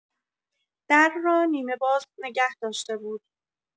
در را نیمه‌باز نگه داشته بود.